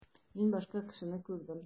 Мин башка кешене күрдем.